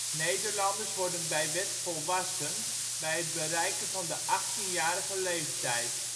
Nederlanders worden bij wet volwassen bij het bereiken van de 18-jarige leeftijd